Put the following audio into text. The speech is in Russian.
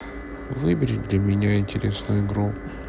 выбери для меня интересную игру